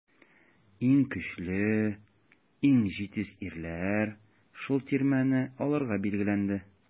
Иң көчле, иң җитез ирләр шул тирмәне алырга билгеләнде.